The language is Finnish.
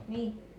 niin